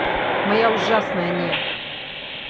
моя ужасная не